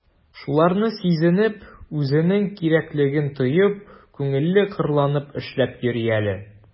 Шуларны сизенеп, үзенең кирәклеген тоеп, күңеле кырланып эшләп йөри әле...